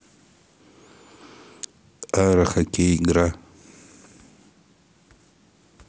аэрохоккей игра